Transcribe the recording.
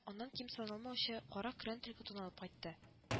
Аннан ким саналмаучы кара көрән төлке туны алып кайтты